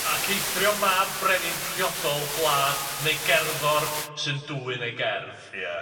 Ac eithrio mab brenin priodol gwlad neu gerddor sy'n dwyn ei gerdd. Ia.